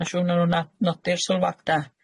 Ma' siŵr 'nan nw'n na- nodi'r sylwada.